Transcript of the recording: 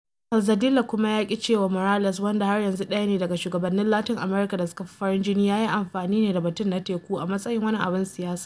Calzadilla kuma ya ƙi cewa Morales - wanda har yanzu ɗaya ne daga shugabannin Latin America da suka fi farin jini - ya yi amfani ne da batun na teku a matsayin wani abin siyasa.